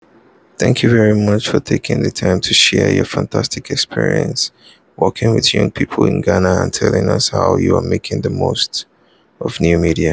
Thank you very much for taking the time to share your fantastic experiences working with young people in Ghana and telling us how you are making the most of new media.